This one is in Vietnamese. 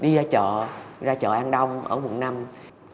đi ra chợ ra chợ an đông ở quận năm